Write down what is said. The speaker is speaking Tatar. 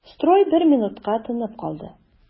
Строй бер минутка тынып калды.